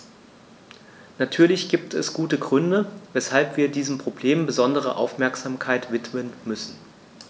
Natürlich gibt es gute Gründe, weshalb wir diesem Problem besondere Aufmerksamkeit widmen müssen.